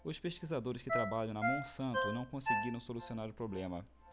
os pesquisadores que trabalham na monsanto não conseguiram solucionar o problema